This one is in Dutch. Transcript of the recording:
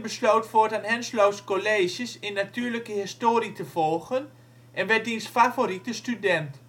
besloot voortaan Henslows colleges in natuurlijke historie te volgen en werd diens favoriete student.